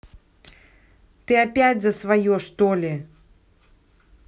ты опять за свое что ли